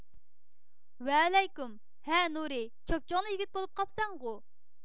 ۋەئەلەيكۇم ھە نۇرى چوپچوڭلا يىگىت بولۇپ قاپسەنغۇ